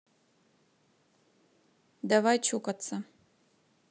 давай чокаться